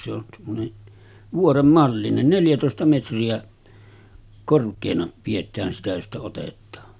se on semmoinen vuoren mallinen neljätoista metriä korkeana pidetään sitä josta otetaan